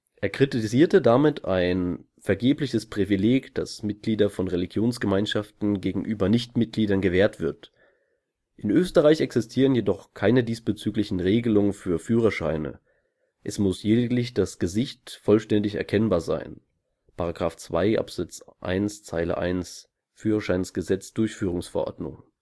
Er kritisierte damit ein vorgebliches Privileg, das Mitgliedern von Religionsgemeinschaften gegenüber Nicht-Mitgliedern gewährt wird. In Österreich existieren jedoch keine diesbezüglichen Regelungen für Führerscheine, es muss lediglich das Gesicht vollständig erkennbar sein (§ 2 Abs1 Z1 lit. h Führerscheingesetz-Durchführungsverordnung